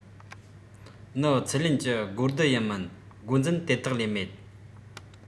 ནི ཚད ལེན གྱི དངུལ བསྡུ ཡི མིན སྒོ འཛིན དེ དག ལས མེད